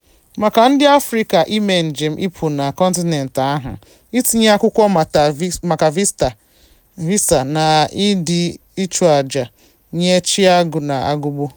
Maka ndị Afrịka ime njem ịpụ na kọntinent ahụ, itinye akwụkwọ maka visa na-adị ka ịchụ àjà nye chi agụ na-agụgbụ.